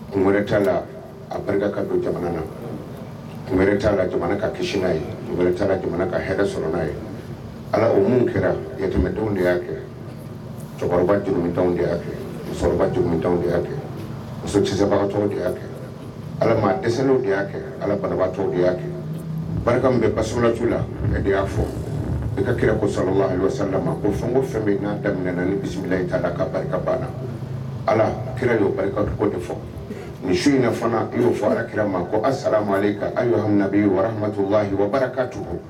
Kun wɛrɛ t'a la a barika don jamana na kun wɛrɛ t' jamana ka kisi a ye wɛrɛ jamana ka hakɛɛ sɔrɔ'a ye ala o minnu kɛra yatɛmɛdenw de y'a kɛ cɛkɔrɔba de y'a kɛ musokɔrɔba de y'a kɛ musobaga de'a kɛ ala maw de y'a kɛ ala banaba de y'a kɛ barika bɛ baju la de y'a fɔ n ka kira kola a' sarama ko fɛn fɛn bɛ' daminɛ na ni bisimila ta barika ka banna ala kira y'o barikacogo de fɔ misi in fana i y'o fɔ kirama ko a sarama' warama' wa ka cogo